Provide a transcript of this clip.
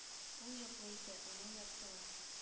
Ул йоклый иде аны уяттылар